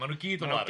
Maen nhw gyd yn laru.